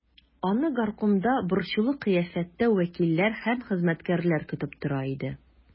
Аны горкомда борчулы кыяфәттә вәкилләр һәм хезмәткәрләр көтеп тора иде.